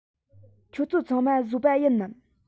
ཁྱོད ཚོ ཚང མ བཟོ པ ཡིན ནམ